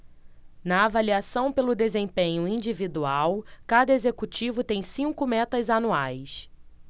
na avaliação pelo desempenho individual cada executivo tem cinco metas anuais